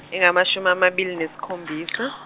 engamashumi amabili nesikhombisa .